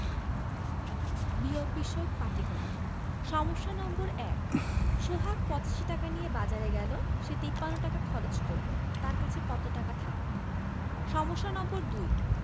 বিয়োগ বিষয়ক পাটিগনিতঃ ১ সোহাগ ৮৫ টাকা নিয়ে বাজারে গেল সে ৫৩ টাকা খরচ করল তার কাছে কত টাকা থাকল ২